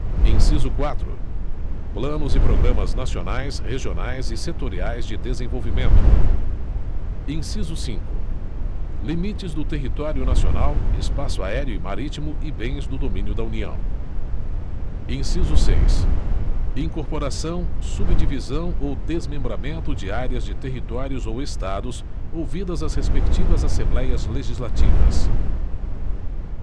inciso quatro planos e programas nacionais regionais e setoriais de desenvolvimento inciso cinco limites do território nacional espaço aéreo e marítimo e bens do domínio da união inciso seis incorporação subdivisão ou desmembramento de áreas de territórios ou estados ouvidas as respectivas assembléias legislativas